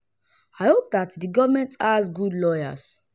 I hope that the government has good lawyers.